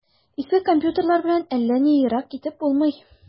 Иске компьютерлар белән әллә ни ерак китеп булмый.